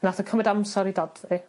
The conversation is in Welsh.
Nath o cymyd amser i dad fi.